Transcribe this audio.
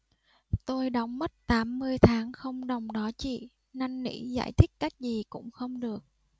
tôi đóng mất tám mươi tháng không đồng đó chị năn nỉ giải thích cách gì cũng không được